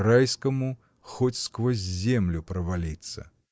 Райскому хоть сквозь землю провалиться!